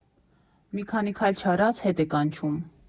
Մի քանի քայլ չարած՝ հետ է կանչում.